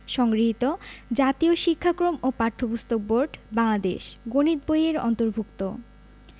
সংগৃহীত জাতীয় শিক্ষাক্রম ও পাঠ্যপুস্তক বোর্ড বাংলাদেশ গণিত বই-এর অন্তর্ভুক্ত